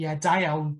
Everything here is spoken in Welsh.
Ie da iawn.